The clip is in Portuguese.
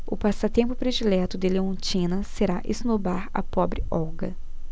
o passatempo predileto de leontina será esnobar a pobre olga